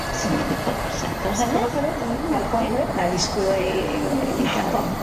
Faswn i'n lico prosecco hefyd. Preseco bach hefyd n- ar y ffordd hefyd. 'Nai ddisgwyl i i i ga'l un.